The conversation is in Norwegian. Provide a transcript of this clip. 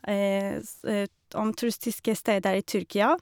s Om turistiske steder i Tyrkia.